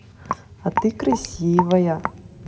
а ты красивая